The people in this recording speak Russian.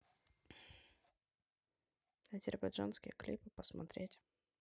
азербайджанские клипы посмотреть